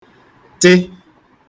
tị